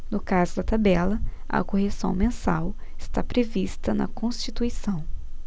no caso da tabela a correção mensal está prevista na constituição